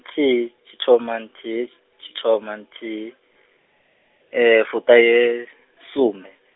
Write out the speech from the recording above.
thihi tshithoma nthihi tshithoma nthihi, fuṱahe, sumbe.